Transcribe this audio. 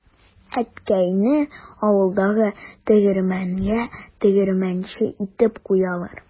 Әткәйне авылдагы тегермәнгә тегермәнче итеп куялар.